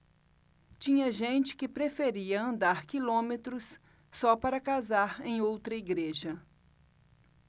tinha gente que preferia andar quilômetros só para casar em outra igreja